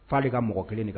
'li ka mɔgɔ kelen kan